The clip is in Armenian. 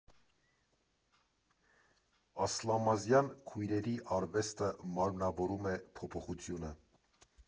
Ասլամազյան քույրերի արվեստը մարմնավորում է փոփոխությունը։